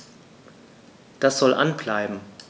Das soll an bleiben.